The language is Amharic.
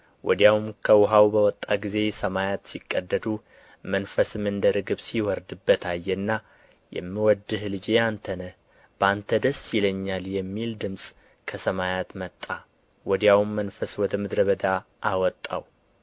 ወዲያውም ከውኃው በወጣ ጊዜ ሰማያት ሲቀደዱ መንፈስም እንደ ርግብ ሲወርድበት አየና የምወድህ ልጄ አንተ ነህ በአንተ ደስ ይለኛል የሚል ድምፅ ከሰማያት መጣ ወዲያውም መንፈስ ወደ ምድረ በዳ አወጣው